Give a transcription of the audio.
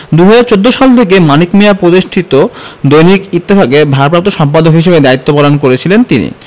২০১৪ সাল থেকে মানিক মিঞা প্রতিষ্ঠিত দৈনিক ইত্তেফাকের ভারপ্রাপ্ত সম্পাদক হিসেবে দায়িত্ব পালন করেছিলেন তিনি